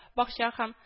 Бакча һәм